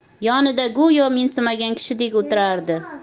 yonida go'yo mensimagan kishidek o'tirardi